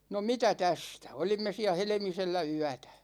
no mitä tästä olimme siellä Helmisellä yötä